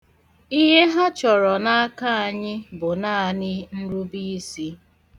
Ihe ha chọrọ n'aka anyị bụ naanị nrubiisi.